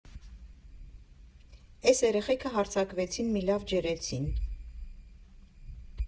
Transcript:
Էս երեխեքը հարձակվեցին, մի լավ ջրեցին։